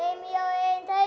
em